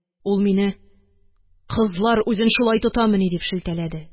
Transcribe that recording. Ул мине: «Кызлар үзен шулай тотамыни?» – дип шелтәләде